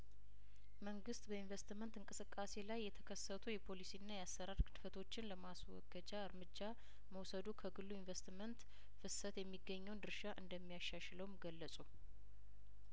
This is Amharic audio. መንግስት በኢንቨስትመንት እንቅስቃሴ ላይ የተከሰቱ የፖሊሲና የአሰራር ግድፈቶችን ለማስወገጃ እርምጃ መውሰዱ ከግሉ ኢንቨስትመንት ፍሰት የሚገኘውን ድርሻ እንደሚያሻሽለውም ገለጹ